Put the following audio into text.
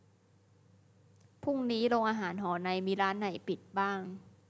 พรุ่งนี้โรงอาหารหอในมีร้านไหนปิดบ้าง